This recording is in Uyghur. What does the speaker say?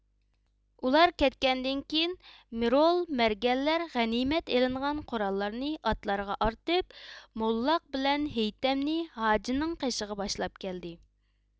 ئۇلار كەتكەندىن كېيىن مىرۇل مەرگەنلەر غەنىيمەت ئېلىنغان قوراللارنى ئاتلارغا ئارتىپ موللاق بىلەن ھېيتەمنى ھاجىنىڭ قېشىغا باشلاپ كەلدى